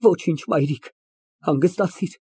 Ոչինչ, մայրիկ։ Հանգստացիր։